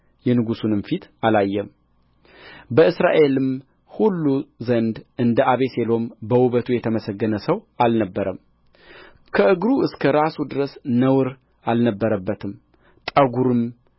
የንጉሡንም ፊት አላየም በእስራኤልም ሁሉ ዘንድ እንደ አቤሴሎም በውበቱ የተመሰገነ ሰው አልነበረም ከእግሩ እስከ ራሱ ድረስ ነውር አልነበረበትም ጠጕሩም